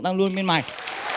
tao luôn bên mày